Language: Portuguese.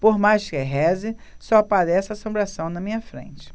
por mais que reze só aparece assombração na minha frente